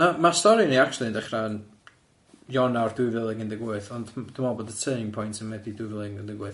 Na ma' stori ni actually yn dechrau yn Ionawr dwy fil ag un deg wyth ond m- dwi'n meddwl bod y turning point yn Medi dwy fil ag un deg wyth.